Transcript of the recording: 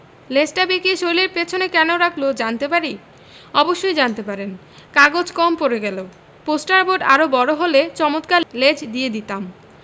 লেজটা বেঁকিয়ে শরীলের পেছনে কেন রাখল জানতে পারি অবশ্যই জানতে পারেন কাগজ কম পড়ে গেল পোস্টার বোর্ড আরো বড় হলে চমৎকার লেজ দিয়ে দিতাম